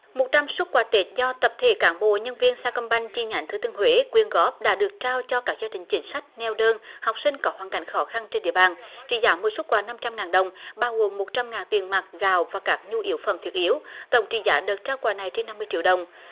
một trăm suất quà tết do tập thể cán bộ nhân viên sa com banh chi nhánh thừa thiên huế quyên góp đã được trao cho các gia đình chính sách neo đơn học sinh có hoàn cảnh khó khăn trên địa bàn trị giá một suất quà năm trăm ngàn đồng bao gồm một trăm ngàn tiền mặt gạo và các nhu yếu phẩm thiết yếu tổng trị giá được trao quà này trên năm mươi triệu đồng